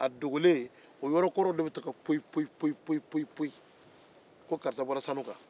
a dogolen o yɔrɔ kɔrɔ dɔw bɛ to ka poyi-poyi